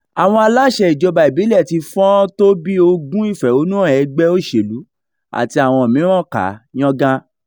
Àwọn aláṣẹ ìjọba ìbílẹ̀ ti fọ́n ó tó bíi ogún ìfèhònúhàn ẹgbẹ́ òṣèlú àti àwọn mìíràn ká yángá.